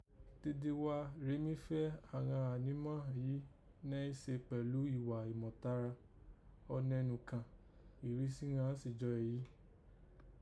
Dede gha rèé mí fẹ́ àghan ànímá yìí nẹ́ í se kpẹ̀lú ìghà ìmọ̀tara ọnẹ nùkàn, ìrísí ghàn sì jọ èyí